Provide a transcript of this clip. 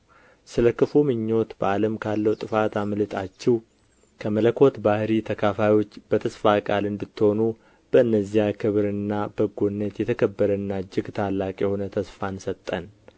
ስለ ክፉ ምኞት በዓለም ካለው ጥፋት አምልጣችሁ ከመለኮት ባሕርይ ተካፋዮች በተስፋ ቃል እንድትሆኑ በእነዚያ ክብርና በጎነት የተከበረና እጅግ ታላቅ የሆነ ተስፋን ሰጠን